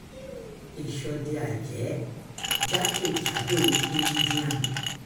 Ìṣọdẹ-àjẹ́ jákèjádò India